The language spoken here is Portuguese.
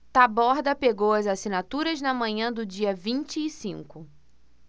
taborda pegou as assinaturas na manhã do dia vinte e cinco